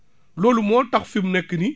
loolu moo tax fi mu nekk nii